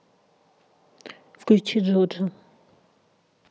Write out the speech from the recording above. включи джоджо